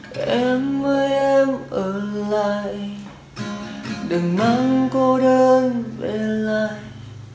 em ơi em ở lại đừng mang cô đơn về lại